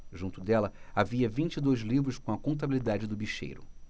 junto dela havia vinte e dois livros com a contabilidade do bicheiro